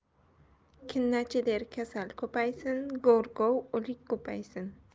kinnachi der kasal ko'paysin go'rkov o'lik ko'paysin